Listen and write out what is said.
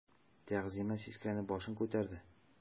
Тәгъзимә сискәнеп башын күтәрде.